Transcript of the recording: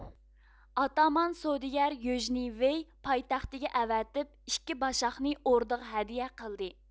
ئاتامان سودىگەر يۆجنى ۋېي پايتەختىگە ئەۋەتىپ ئىككى باشاقنى ئوردىغا ھەدىيە قىلدى